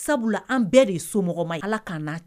Sabula an bɛɛ de so ma ala ka n'a